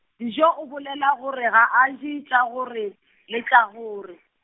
dijo o bolela gore ga a je tša gore, le tša gore.